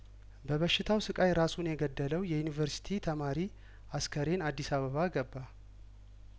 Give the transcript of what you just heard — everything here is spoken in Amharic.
በበሽታው ስቃይራሱን የገደለው የዩኒቨርስቲ ተማሪ አስክሬን አዲስ አበባ ገባ